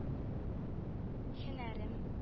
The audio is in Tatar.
Һөнәрем